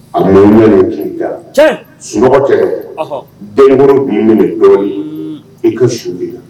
A bɛ . Tiɲɛ! Sunɔgɔ tɛ dɛ. Ɔnhon! Denkɔrɔ b'i minɛ dɔɔnin, i ka su